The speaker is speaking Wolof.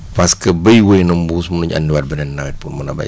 parce que béy wóy na mbuus munuñ andiwaat beneen nawet pour mun a béy